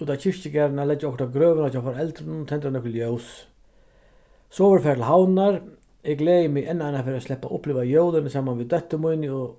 út á kirkjugarðin at leggja okkurt á grøvina hjá foreldrunum tendra nøkur ljós so verður farið til havnar eg gleði meg enn einaferð at sleppa at uppliva jólini saman við dóttur míni og